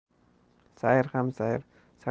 sayr ham sayr sargardon ham sayr